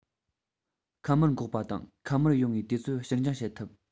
ཁམས དམར འགོག པ དང ཁམས དམར ཡོང བའི དུས ཚོད ཕྱིར འགྱངས བྱེད ཐུབ